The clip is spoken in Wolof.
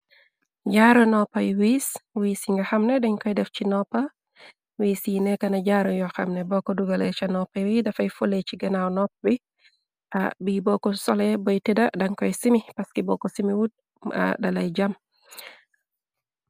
Jaara noppay wiis wiis yi nga xam ne dañ koy def ci noppa wiis yi nekkana jaaru yoxam ne bokko dugale ca noppa wi dafay fole ci ganaaw nopp bi bi booko sole boy tëda dankoy simi paski boko simi ua dalay jam.